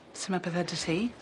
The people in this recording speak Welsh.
Su 'ma pethe 'dy ti?